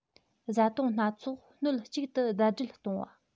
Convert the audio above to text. བཟའ བཏུང སྣ ཚོགས སྣོད གཅིག ཏུ ཟླ སྒྲིལ གཏོང བ